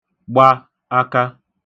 gba aka